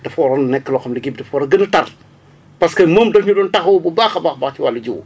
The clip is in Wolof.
dafa waroon nekk loo xam ni ki dafa war a gën a tar parce que moom daf ñu doon taxawu bu baax a baax a baax ci wàllu jiw